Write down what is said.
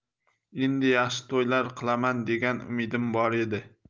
endi yaxshi to'ylar qilaman degan umidim bor edi